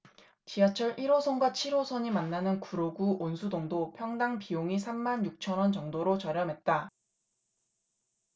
지하철 일 호선과 칠 호선이 만나는 구로구 온수동도 평당 비용이 삼 만 육천 원 정도로 저렴했다